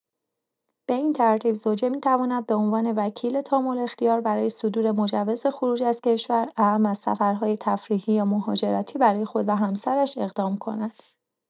به این ترتیب، زوجه می‌تواند به‌عنوان وکیل تام‌الاختیار برای صدور مجوز خروج از کشور، اعم از سفرهای تفریحی یا مهاجرتی، برای خود و همسرش اقدام کند.